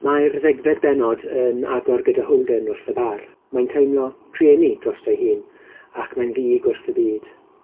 Mae'r ddegfed bennod yn agor gyda Holden wrth y bar. Mae'n teimlo drueni drosto'i hun, ac mae'n ddig wrth y byd.